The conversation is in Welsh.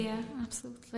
ia absolutely